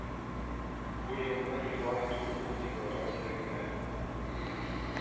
Бу елны игълан итү ул декларация генә